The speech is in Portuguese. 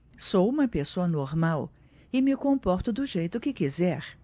sou homossexual e me comporto do jeito que quiser